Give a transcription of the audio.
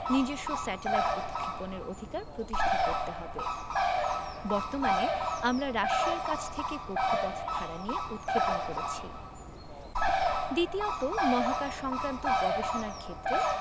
নিজস্ব স্যাটেলাইট উৎক্ষেপণের অধিকার প্রতিষ্ঠা করতে হবে বর্তমানে আমরা রাশিয়ার কাছ থেকে কক্ষপথ ভাড়া নিয়ে উৎক্ষেপণ করেছি দ্বিতীয়ত মহাকাশসংক্রান্ত গবেষণার ক্ষেত্রে